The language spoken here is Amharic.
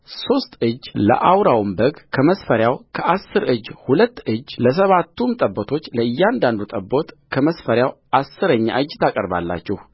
ሦስት እጅ ለአውራውም በግ ከመስፈሪያው ከአሥር እጅ ሁለት እጅለሰባቱም ጠቦቶች ለእያንዳንዱ ጠቦት ከመስፈሪያው አሥረኛ እጅ ታቀርባላችሁ